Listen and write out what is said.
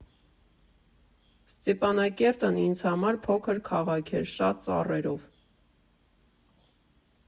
Ստեփանակերտն ինձ համար փոքր քաղաք էր՝ շատ ծառերով։